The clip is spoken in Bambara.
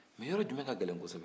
nin yɔrɔ jumɛn ka gɛlɛn kɔsɛbɛ